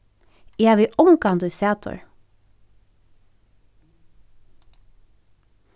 eg havi ongantíð sæð teir